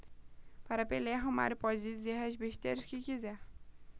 para pelé romário pode dizer as besteiras que quiser